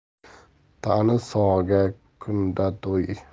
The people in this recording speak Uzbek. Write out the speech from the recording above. tani sog'ga kunda to'y